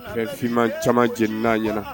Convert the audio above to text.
Ɛɛ'man caman jeni na ɲɛna